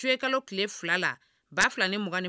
Su kalo tile fila la ba fila ni